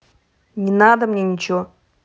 не надо мне ниче